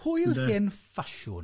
Hwyl hen ffasiwn.